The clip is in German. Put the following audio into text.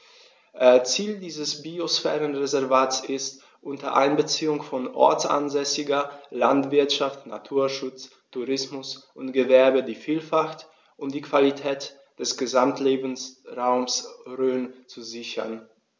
Ziel dieses Biosphärenreservates ist, unter Einbeziehung von ortsansässiger Landwirtschaft, Naturschutz, Tourismus und Gewerbe die Vielfalt und die Qualität des Gesamtlebensraumes Rhön zu sichern.